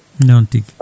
noon tigui